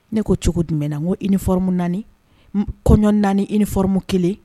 Ne ko cogo jumɛn na, n ko uniforme 4 kɔɲɔ 4 uniforme 1 ?